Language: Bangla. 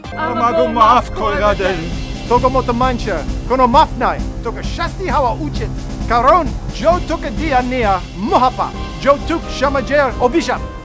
আমাগো মাফ কইরা দেন মাইনষের কোন মাফ নাই তোদের শাস্তি হওয়া উচিত কারণ যৌতুক দেয়া নেয়া মহাপাপ যৌতুক সমাজের অভিশাপ